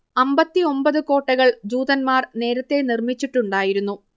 അമ്പത്തി ഒമ്പത് കോട്ടകൾ ജൂതന്മാർ നേരത്തെ നിർമ്മിച്ചിട്ടുണ്ടായിരുന്നു